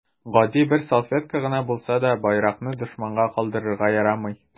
Гади бер салфетка гына булса да, байракны дошманга калдырырга ярамый.